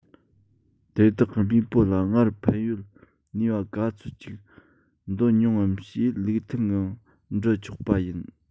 དེ དག གི མེས པོ ལ སྔར ཕན ཡོད ནུས པ ག ཚོད ཅིག འདོན མྱོང ངམ ཞེས ལུགས མཐུན ངང འདྲི ཆོག པ ཡིན